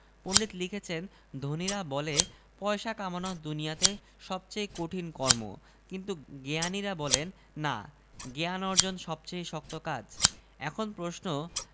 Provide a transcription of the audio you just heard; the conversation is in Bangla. সবকিছুই তার স্বামীর ভাণ্ডারে রয়েছে শেষটায় দোকানদার নিরাশ হয়ে বললে তবে একখানা ভাল বই দিলে হয় না গরবিনী নাসিকা কুঞ্চিত করে বললেন